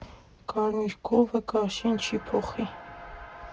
Կարմիր կովը կաշին չի փոխի։